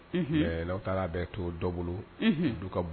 Unhun, ɛɛ n'aw taara bɛ to dɔ bolo ka, unhun, du ka b